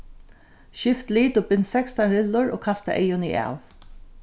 skift lit og bint sekstan rillur og kasta eyguni av